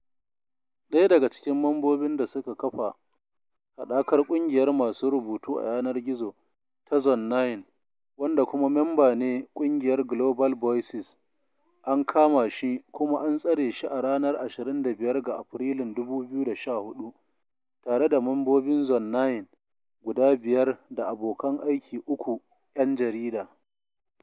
Ɗaya daga cikin mambobin da suka kafa haɗakar ƙungiyar masu rubutu a yanar gizo ta Zone9, wanda kuma mamba ne ƙungiyar Global Voices, an kama shi kuma an tsare shi a ranar 25 ga Afrilun 2014, tare da mambobin Zone9 guda biyar daabokan aiki uku ‘yan jarida.